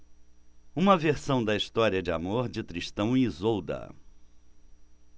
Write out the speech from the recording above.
uma versão da história de amor de tristão e isolda